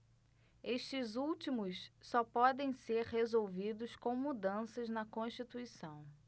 estes últimos só podem ser resolvidos com mudanças na constituição